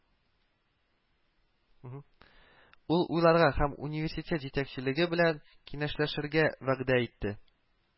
Ул уйларга һәм университет җитәкчелеге белән киңәшләшергә вәгъдә итте